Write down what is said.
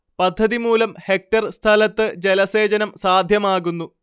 പദ്ധതിമൂലം hectare സ്ഥലത്ത് ജലസേചനം സാധ്യമാകുന്നു